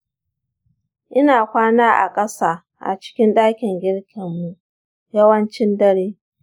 ina kwana a ƙasa a cikin ɗakin girkinmu yawancin dare.